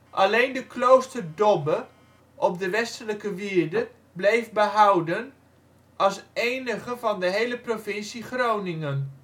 Alleen de kloosterdobbe (op de westelijke wierde) bleef behouden, als enige van de hele provincie Groningen